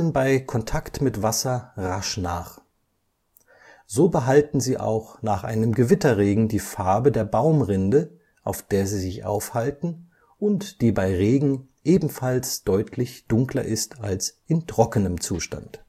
bei Kontakt mit Wasser rasch nach: So behalten sie auch nach einem Gewitterregen die Farbe der Baumrinde, auf der sie sich aufhalten und die bei Regen ebenfalls deutlich dunkler ist als in trockenem Zustand